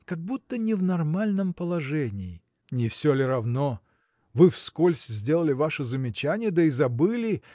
как будто не в нормальном положении. – Не все ли равно? Вы вскользь сделали ваше замечание да и забыли